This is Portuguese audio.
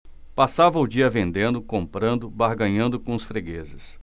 passava o dia vendendo comprando barganhando com os fregueses